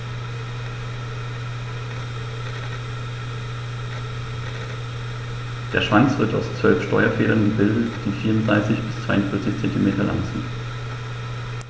Der Schwanz wird aus 12 Steuerfedern gebildet, die 34 bis 42 cm lang sind.